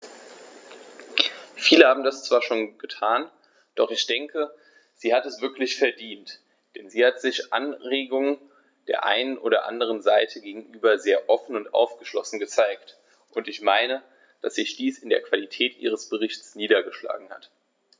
Viele haben das zwar schon getan, doch ich denke, sie hat es wirklich verdient, denn sie hat sich Anregungen der einen und anderen Seite gegenüber sehr offen und aufgeschlossen gezeigt, und ich meine, dass sich dies in der Qualität ihres Berichts niedergeschlagen hat.